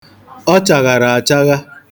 Ọ chaghara achagha.